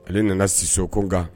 Ale nana si so ko nga